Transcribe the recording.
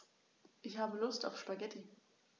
Ich habe Lust auf Spaghetti.